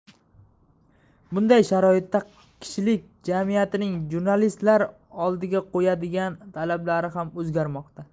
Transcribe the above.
bunday sharoitda kishilik jamiyatining jurnalistlar oldiga qo'yadigan talablari ham o'zgarmoqda